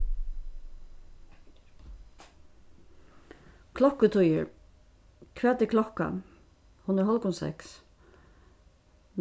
klokkutíðir hvat er klokkan hon er hálvgum seks